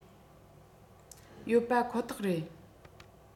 ཡོད པ ཁོ ཐག རེད